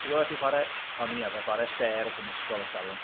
Tibod ti'n chwarae... o'n i'n arfer chwarae stares yn ysgol ers talwm?